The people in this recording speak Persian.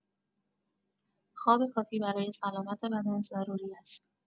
خواب کافی برای سلامت بدن ضروری است.